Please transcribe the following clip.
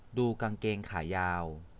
ดูกางเกงขายาว